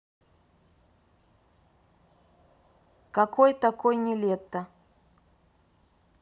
кто такой нилетто